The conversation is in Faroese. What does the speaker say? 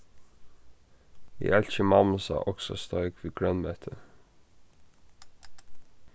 eg elski mammusa oksasteik við grønmeti